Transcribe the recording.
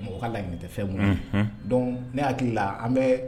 Mɔgɔ ka layini tɛ fɛn minnu ye donc ne hakili la an bɛ